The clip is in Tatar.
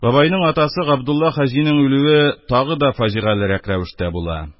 Бабайның атасы Габдулла хаҗиның үлүе тагы да фаҗигалерәк рәвештә була.